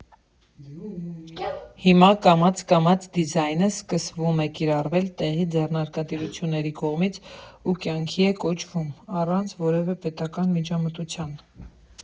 Հիմա կամաց֊կամաց դիզայնը սկսվում է կիրառվել տեղի ձեռնարկատիրությունների կողմից ու կյանքի է կոչվում՝ առանց որևէ պետական միջամտության։